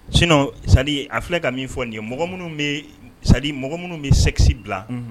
Sinon Sali a filɛ ka min fɔ nin ye, mɔgɔ minnu bɛ, Sali mɔgɔ minnu bɛ sexe bila mɔgɔ minnu bɛ sɛgɛsi bila